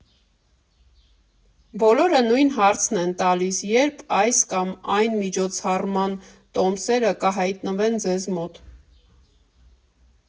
Բոլորը նույն հարցն են տալիս՝ ե՞րբ այս կամ այն միջոցառման տոմսերը կհայտնվեն ձեզ մոտ։